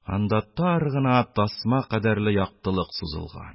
Анда тар гына тасма кадәрле яктылык сузылган.